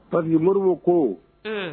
Pabi moribugu ko